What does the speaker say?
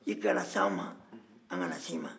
i kana s'an ma an kana se i ma